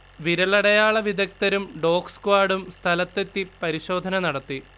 വിരലടയാള വിദഗ്ധരും ഡോഗ്സ്ക്വാഡും സ്ഥലത്ത് എത്തി പരിശോധന നടത്തി